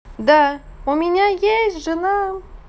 да у меня есть жена